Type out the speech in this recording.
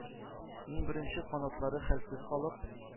Иң беренче канатлары хәлсез калып,